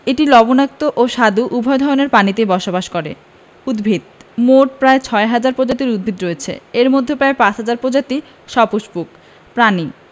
এটি লবণাক্ত ও স্বাদু উভয় ধরনের পানিতেই বসবাস করে উদ্ভিদঃ মোট প্রায় ৬ হাজার প্রজাতির উদ্ভিদ রয়েছে এর মধ্যে প্রায় ৫ হাজার প্রজাতি সপুষ্পক প্রাণী